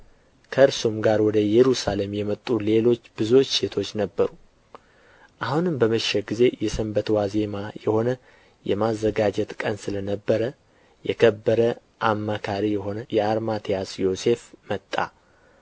ከእርሱም ጋር ወደ ኢየሩሳሌም የወጡ ሌሎች ብዙዎች ሴቶች ነበሩ አሁንም በመሸ ጊዜ የሰንበት ዋዜማ የሆነ የማዘጋጀት ቀን ስለ ነበረ የከበረ አማካሪ የሆነ የአርማትያስ ዮሴፍ መጣ